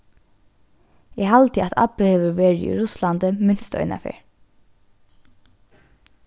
eg haldi at abbi hevur verið í russlandi minst eina ferð